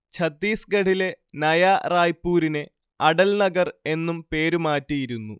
ഛത്തീസ്ഗഢിലെ നയാ റായ്പൂരിനെ അടൽ നഗർ എന്നും പേരുമാറ്റിയിരുന്നു